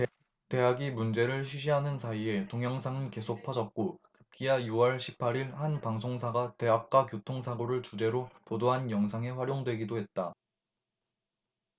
대학이 문제를 쉬쉬하는 사이에 동영상은 계속 퍼졌고 급기야 유 월 십 팔 일 한 방송사가 대학가 교통사고를 주제로 보도한 영상에 활용되기도 했다